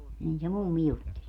niin se mummi jutteli